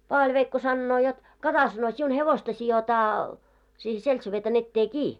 Paavali-veikko sanoo jotta kata sanoi sinun hevosta sidotaan siihen seltseveetan eteen kiinni